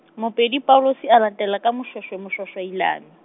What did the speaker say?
Mopeli Paulus a latela ka Moshoeshoe Moshoashoailane.